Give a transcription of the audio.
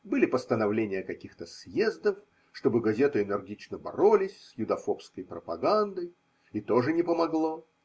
Были постановления каких-то съездов, чтобы газеты энергично боролись с юдофобской пропагандой, и тоже не помогло.